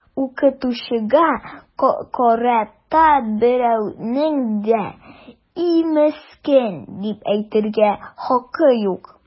Укытучыга карата берәүнең дә “и, мескен” дип әйтергә хакы юк!